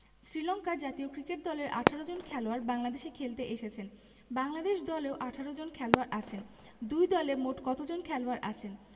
শ্রীলংকার জাতীয় ক্রিকেট দলের ১৮ জন খেলোয়াড় বাংলাদেশে খেলতে এসেছেন বাংলাদেশ দলেও ১৮ জন খেলোয়াড় আছেন দুই দলে মোট কতজন খেলোয়াড় আছেন